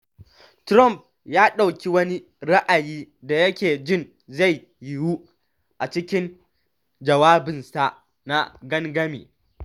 Trump ya ɗauki wani ra’ayi da yake jin zai yiwu a cikin jawabinsa na gangami.